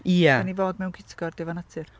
Ie... Dan ni fod mewn cytgord efo natur.